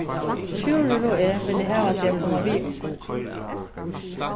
sjúrður og eg vilja hava teg at koma við okkum